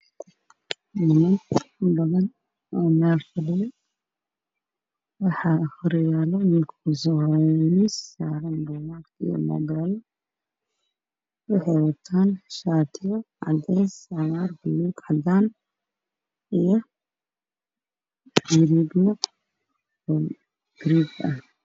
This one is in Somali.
Meeshaan waxaa ka muuqdo niman badan oo meel fadhiyo